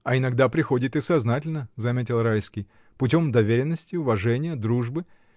— А иногда приходит и сознательно, — заметил Райский, — путем доверенности, уважения, дружбы.